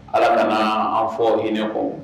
Ala kana an fɔ hinɛ kɔ